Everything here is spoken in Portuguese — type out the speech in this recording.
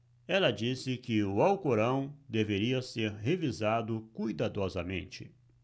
ela disse que o alcorão deveria ser revisado cuidadosamente